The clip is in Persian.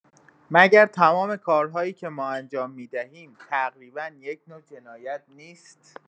مگر تمام کارهایی که ما انجام می‌دهیم تقریبا یک نوع جنایت نیست؟